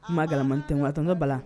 Kuma gamantɔntɔ ka bala